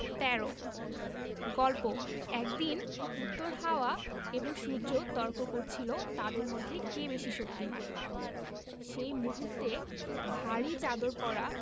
১৩ গল্প একদিন উত্তর হাওয়া এবং সূর্য তর্ক করছিল তাদের মধ্যে কে বেশি শক্তিমান সেই মুহূর্তে ভারি চাদর পরা